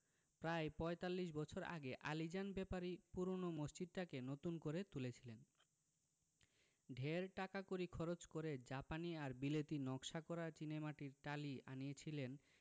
প্রায় পঁয়তাল্লিশ বছর আগে আলীজান ব্যাপারী পূরোনো মসজিদটাকে নতুন করে তুলেছিলেন ঢের টাকাকড়ি খরচ করে জাপানি আর বিলেতী নকশা করা চীনেমাটির টালি আনিয়েছিলেন